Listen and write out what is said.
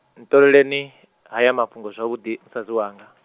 ntooleleni, haya mafhungo zwavhuḓi musadzi wanga.